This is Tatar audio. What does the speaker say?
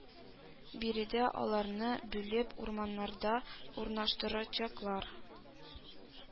Биредә аларны бүлеп урманнарда урнаштырачаклар